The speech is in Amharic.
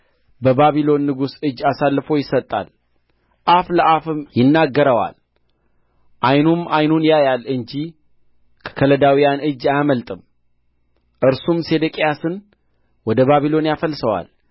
በባቢሎን ንጉሥ እጅ አልፎ ይሰጣል አፍ ለአፍም ይናገረዋል ዓይኑም ዓይኑን ያያል እንጂ ከከለዳውያን እጅ አያመልጥም እርሱም ሴዴቅያስን ወደ ባቢሎን ያፈልሰዋል